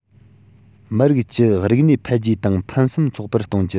མི རིགས ཀྱི རིག གནས འཕེལ རྒྱས དང ཕུན སུམ ཚོགས པར གཏོང རྒྱུ